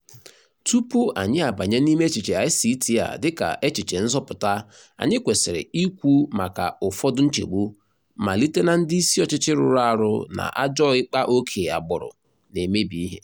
Tupu anyị abanye n'ime echiche ICT a dịka "echiche nzọpụta" anyị kwesịrị ịkwụ maka ụfọdụ nchegbu, malite na ndị ịsị ọchịchị rụrụ arụ na ajọ ikpa ókè agbụrụ na-emebi ihe.